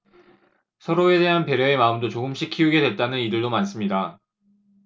서로에 대한 배려의 마음도 조금씩 키우게 됐다는 이들도 많습니다